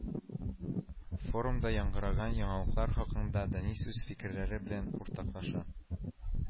Форумда яңгыраган яңалыклар хакында Дәнис үз фикерләре белән уртаклаша